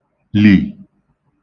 lì